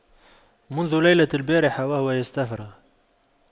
منذ ليلة البارحة وهو يستفرغ